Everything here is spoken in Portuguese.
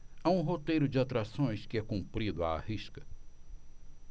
há um roteiro de atrações que é cumprido à risca